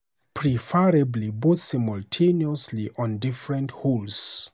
Preferably both simultaneously on different holes.